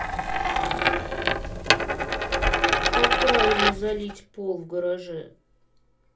как правильно залить пол в гараже